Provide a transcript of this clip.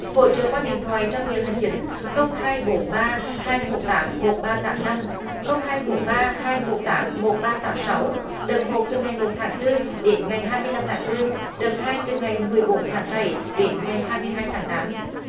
hỗ trợ qua điện thoại trong giờ hành chính không hai bốn ba hai một tám một ba tám năm không hai bốn ba hai một tám một ba tám sáu đợt một từ ngày một tháng tư đến ngày hai mươi lăm tháng tư đợt hai từ ngày mười bốn tháng bảy đến ngày hai mươi hai tháng tám